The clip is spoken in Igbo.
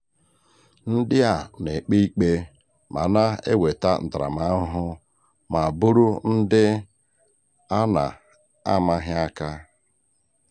Ndị a na-ekpe ikpe ma na-eweta ntaramahụhụ ma bụrụ ndị a na-amaghị aka.